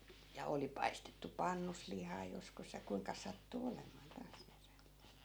ja oli paistettu pannussa lihaa joskus ja kuinka sattui olemaan taas niiden